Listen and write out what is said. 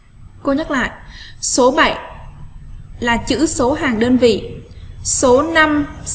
tôi nhắc lại số là chữ số hàng đơn vị số